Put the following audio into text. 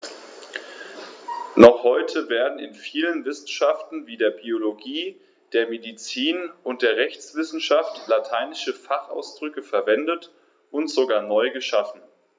Noch heute werden in vielen Wissenschaften wie der Biologie, der Medizin und der Rechtswissenschaft lateinische Fachausdrücke verwendet und sogar neu geschaffen.